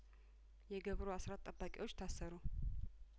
የገብሩ አስራት ጠባቂዎች ታሰሩ